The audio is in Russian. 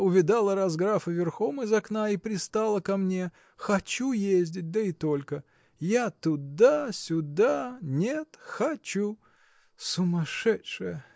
увидала раз графа верхом из окна и пристала ко мне хочу ездить да и только! Я туда, сюда, нет – хочу! Сумасшедшая!